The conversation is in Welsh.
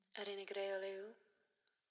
Yr unig reol yw